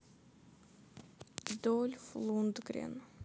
дольф лундгрен